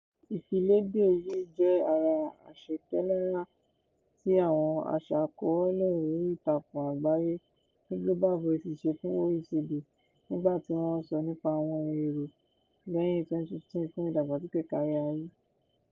Ìfiléde yìí jẹ́ ara àṣetẹ̀léra tí àwọn aṣàkọọ́lẹ̀ oríìtakùn àgbáyé ní Global Voices ṣe fún OECD nígbà tí wọ́n ń sọ nípa àwọn èrò lẹ́yìn-2015 fún ìdàgbàsókè káríayé.